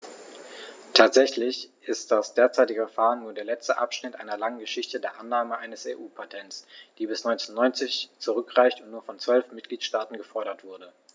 Tatsächlich ist das derzeitige Verfahren nur der letzte Abschnitt einer langen Geschichte der Annahme eines EU-Patents, die bis 1990 zurückreicht und nur von zwölf Mitgliedstaaten gefordert wurde.